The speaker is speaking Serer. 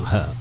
xa a